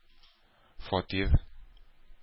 Фатир